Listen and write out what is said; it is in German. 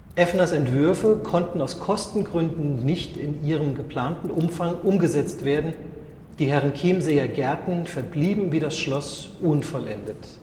Effners Entwürfe konnten aus Kostengründen nicht in ihrem geplanten Umfang umgesetzt werden, die Herrenchiemseer Gärten verblieben wie das Schloss unvollendet